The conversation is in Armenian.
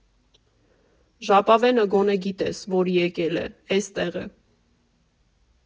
Ժապավենը գոնե գիտես, որ եկել է, էստեղ է։